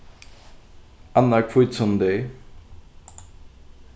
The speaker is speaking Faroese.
annar hvítusunnudegi